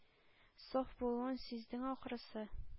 Саф булуын сиздең, ахрысы.